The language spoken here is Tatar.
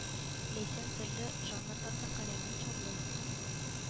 Ләйсән төрле жанрларда каләмен чарлый